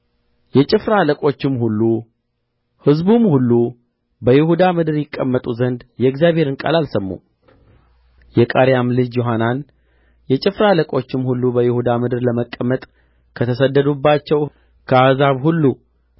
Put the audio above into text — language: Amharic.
የጭፍራ አለቆችም ሁሉ በይሁዳ ምድር ለመቀመጥ ከተሰደዱባቸው ከአሕዛብ ሁሉ